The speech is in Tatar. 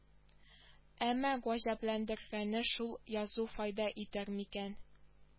Әмма гаҗәпләндергәне шул язу файда итәр микән